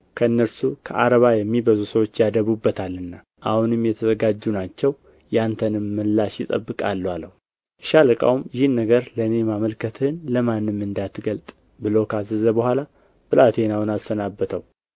ከእነርሱ ከአርባ የሚበዙ ሰዎች ያደቡበታልና አሁንም የተዘጋጁ ናቸው የአንተንም ምላሽ ይጠብቃሉ አለው የሻለቃውም ይህን ነገር ለእኔ ማመልከትህን ለማንም እንዳትገልጥ ብሎ ካዘዘ በኋላ ብላቴናውን አሰናበተው